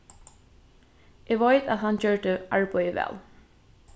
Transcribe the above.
eg veit at hann gjørdi arbeiðið væl